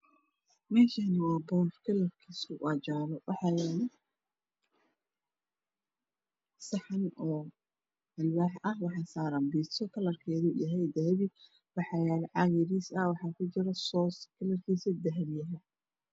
Meeshaani waa boor kalarkiisu waa jaale waxaa yaalo